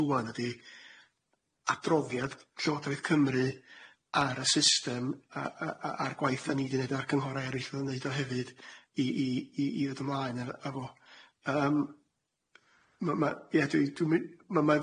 rŵan ydi adroddiad Llywodraeth Cymru ar y system a a a a'r gwaith dani di neud argynghore eryll o'dd o'n neud o hefyd i i i i i ddod ymlaen efo yym ma' ma' ie dwi dwi m- ma- mae